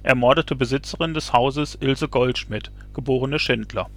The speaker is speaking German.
ermordete Besitzerin des Hauses Ilse Goldschmidt, geb. Schindler